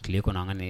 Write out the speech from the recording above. Tile kɔnɔ an ka nin